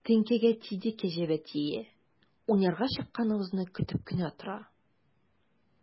Теңкәгә тиде кәҗә бәтие, уйнарга чыкканыбызны көтеп кенә тора.